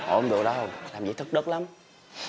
hổng được đâu làm vậy thất đức lắm